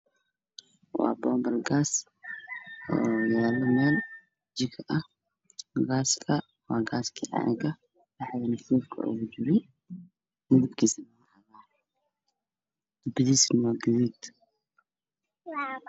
Waa gaas oo yaalo meel jiko ah, waa gaaska caaga oo dhexdii laastiig ugu jiray midabkiisu waa gaduud.